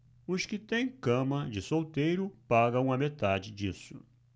os que têm cama de solteiro pagam a metade disso